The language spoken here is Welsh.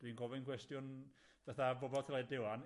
Dwi'n gofyn cwestiwn fatha bobol teledu ŵan.